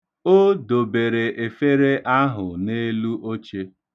O dobere efere ahụ n’elu oche.